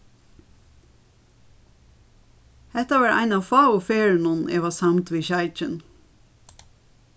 hetta var ein av fáu ferðunum eg var samd við sjeikin